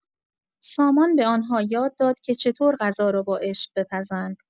سامان به آن‌ها یاد داد که چطور غذا را با عشق بپزند.